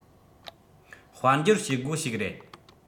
དཔལ འབྱོར བྱེད སྒོ ཞིག རེད